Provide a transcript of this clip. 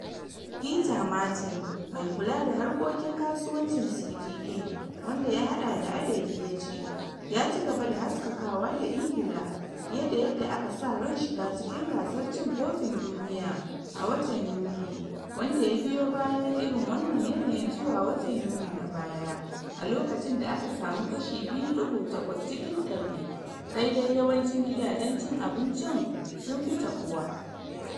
Peter Martin, mai kula da harkokin kasuwancin CGA, wanda ya hada da adadi, ya ce: "Ya ci gaba da haskakawa da Ingila fiye da yadda aka sa ran shiga cikin gasar cin kofin duniya a watan Yuli, wanda ya biyo bayan irin wannan yanayin zuwa watan Yuni na baya, a lokacin da aka samu kashi 2.8 cikin dari, sai dai yawancin gidajen cin abinci sun fi taɓuwa.